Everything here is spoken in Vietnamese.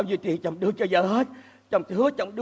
tiền chồng đưa vợ hết chồng hứa chồng